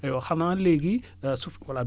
aywa xanaa léegi su voilà